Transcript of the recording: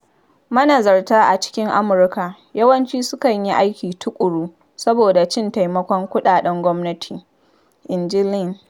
Manazarta a cikin Amurka yawanci sukan yi aiki tuƙuru saboda cin taimakon kuɗaɗen gwamnati, inji Lee.